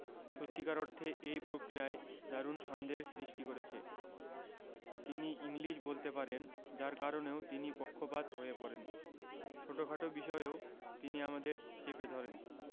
সত্যিকার অর্থে এই প্রক্রিয়ায় দারুণ সন্দেহের সৃষ্টি করেছে তিনি ইংলিশ বলতে পারেন যার কারণেও তিনি পক্ষপাত হয়ে পড়েন ছোটখাট বিষয়েও তিনি আমাদের চেপে ধরেন